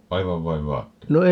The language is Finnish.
aivan vain vaatteita